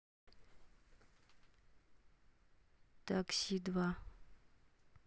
такси два